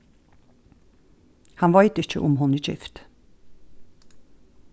hann veit ikki um hon er gift